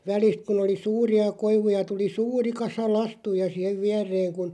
välistä kun oli suuria koivuja tuli suuri kasa lastuja siihen viereen kun